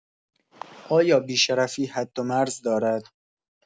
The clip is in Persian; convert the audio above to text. آیا بی‌شرفی حد و مرز دارد؟